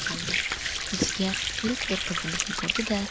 yuziga iliq bir qizillik yugurdi da